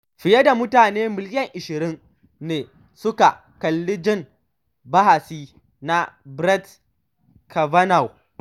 Fiye da mutane miliyan 20 ne suka kalli jin bahasi na Brett Kavanaugh